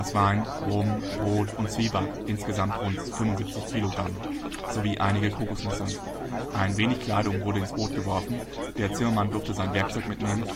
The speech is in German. Wein, Rum, Brot und Zwieback (insgesamt rund 75 kg) sowie einige Kokosnüsse. Ein wenig Kleidung wurde ins Boot geworfen, der Zimmermann durfte sein Werkzeug mitnehmen